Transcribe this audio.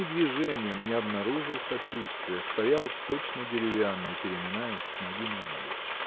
ни движением не обнаружил сочувствия – стоял точно деревянный переминаясь с ноги на ногу.